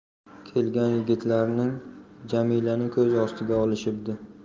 kelgan yigitlarning jamilani ko'z ostiga olishibdi